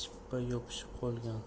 chippa yopishib qolgan